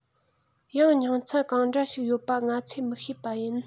ཡང སྙིང ཚད ག འདྲ ཞིག ཡོད པ ང ཚོས མི ཤེས པ ཡིན